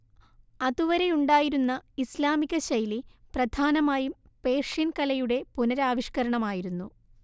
അതുവരെയുണ്ടായിരുന്ന ഇസ്ലാമികശൈലി പ്രധാനമായും പേർഷ്യൻ കലയുടെ പുനരാവിഷ്കരണമായിരുന്നു